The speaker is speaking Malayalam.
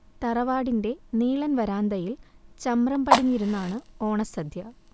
തറവാടിന്റെ നീളൻ വരാന്തയിൽ ചമ്രം പടിഞ്ഞിരുന്നാണ് ഓണസദ്യ